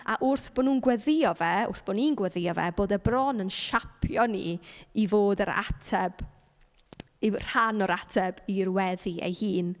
A wrth bo' nhw'n gweddïo fe, wrth bo' ni'n gweddïo fe, bod e bron yn siapio ni i fod yr ateb yw- rhan o'r ateb i'r weddi ei hun.